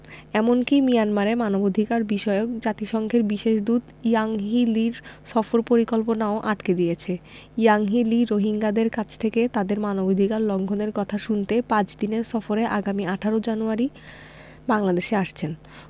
এমনকি মিয়ানমারে মানবাধিকারবিষয়ক জাতিসংঘের বিশেষ দূত ইয়াংহি লির সফর পরিকল্পনাও আটকে দিয়েছে ইয়াংহি লি রোহিঙ্গাদের কাছ থেকে তাদের মানবাধিকার লঙ্ঘনের কথা শুনতে পাঁচ দিনের সফরে আগামী ১৮ জানুয়ারি বাংলাদেশে আসছেন